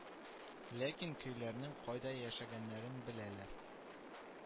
Ләкин көйләрнең кайда яшәгәннәрен беләләр